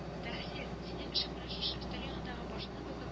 – тәхсир, синең эшең менә шушы өстәл янында башыңны бөгеп